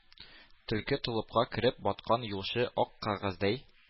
Төлке толыпка кереп баткан юлчы ак кәгазьдәй